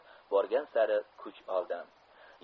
borgan sari kuch oldi